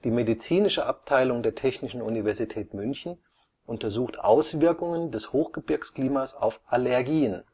medizinische Abteilung der Technischen Universität München untersucht Auswirkungen des Hochgebirgsklimas auf Allergien